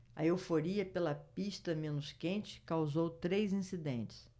a euforia pela pista menos quente causou três incidentes